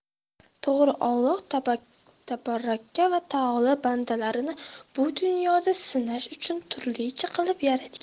to'g'ri olloh taboraka va taolo bandalarini bu dunyoda sinash uchun turlicha qilib yaratgan